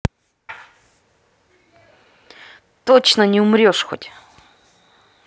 точно не умрешь хоть